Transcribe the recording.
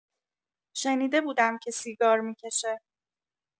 شنیده بودم که سیگار می‌کشه.